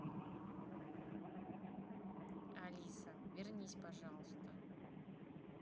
алиса вернись пожалуйста